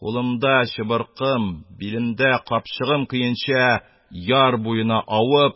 Кулымда чыбыркым, билемдә капчыгым көенчә, яр буена авып